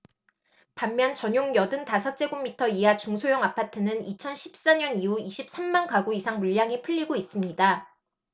반면 전용 여든 다섯 제곱미터 이하 중소형 아파트는 이천 십 사 년 이후 이십 삼 만 가구 이상 물량이 풀리고 있습니다